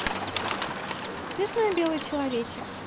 смешной белый человечек